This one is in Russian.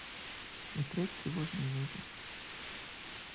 смотреть тревожный вызов